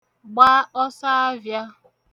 gba ọsọavịā